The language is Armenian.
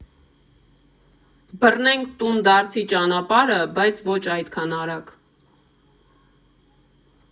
Բռնենք տունդարձի ճանապարհը, բայց ոչ այդքան արագ։